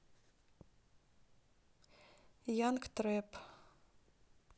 янг трэп